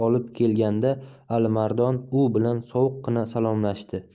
olib kelganda alimardon u bilan sovuqqina salomlashdi